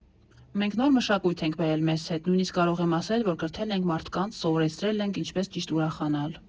Մենք նոր մշակույթ ենք բերել մեզ հետ, նույնիսկ կարող եմ ասել, որ կրթել ենք մարդկանց, սովորեցրել ենք՝ ինչպես ճիշտ ուրախանալ։